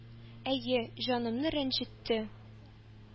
— әйе. җанымны рәнҗетте.